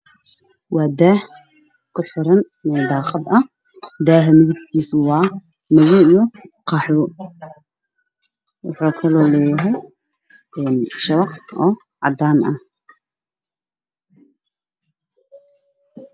Waa qol waxaa ku xiran daah- midabkiisu yahay madow iyo qax weyn